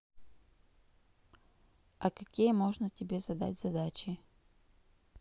а какие можно тебе задать задачи